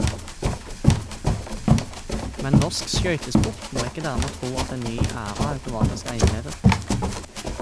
Men norsk skøytesport må ikke dermed tro at en ny æra automatisk er innledet.